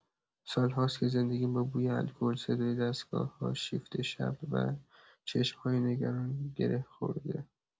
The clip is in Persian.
سال‌هاست که زندگیم با بوی الکل، صدای دستگاه‌ها، شیفت شب و چشم‌های نگران گره خورده.